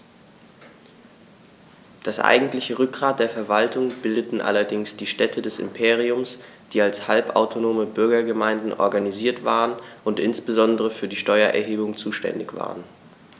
Das eigentliche Rückgrat der Verwaltung bildeten allerdings die Städte des Imperiums, die als halbautonome Bürgergemeinden organisiert waren und insbesondere für die Steuererhebung zuständig waren.